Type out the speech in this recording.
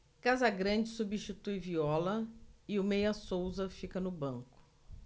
casagrande substitui viola e o meia souza fica no banco